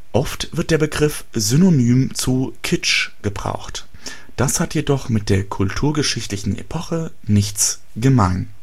Oft wird der Begriff synonym zu Kitsch gebraucht. Das hat jedoch mit der kulturgeschichtlichen Epoche nichts gemein